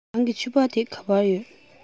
རང གི ཕྱུ པ དེ ག པར ཡོད